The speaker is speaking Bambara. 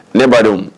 Ne ba don